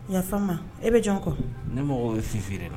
Yafama e bɛ jɔn kɔ ne mɔgɔ ye f feere la